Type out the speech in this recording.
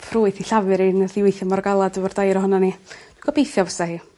ffrwyth 'i llafur 'i nath 'i weithio mor galad efo'r dair ohonon ni. Gobeithio fysa hi.